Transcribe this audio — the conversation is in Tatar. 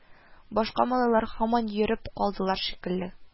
Башка малайлар һаман йөреп калдылар шикелле